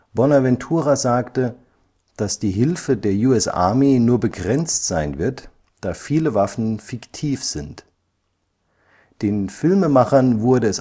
Bonaventura sagte, dass die Hilfe der US Army nur begrenzt sein wird, da viele Waffen fiktiv sind. Den Filmemachern wurde